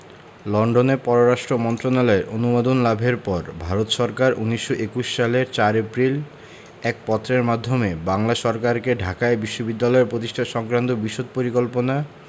লন্ডনে পররাষ্ট্র মন্ত্রণালয়ের অনুমোদন লাভের পর ভারত সরকার ১৯২১ সালের ৪ এপ্রিল এক পত্রের মাধ্যমে বাংলা সরকারকে ঢাকায় বিশ্ববিদ্যালয় প্রতিষ্ঠা সংক্রান্ত বিশদ পরিকল্পনা